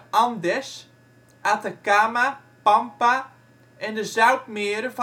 Andes, Atacama, Pampa en de zoutmeren